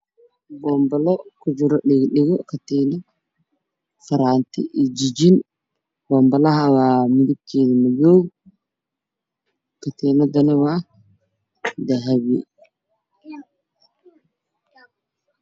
Boombalo ku jiro dhagdhago dahabi ah iyo katiinad isku eg